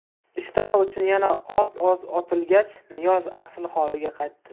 ishtaha uchun yana oz oz otilgach niyoz asl holiga qaytdi